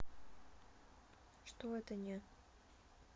что это не